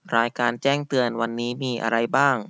รายการแจ้งเตือนวันนี้มีอะไรบ้าง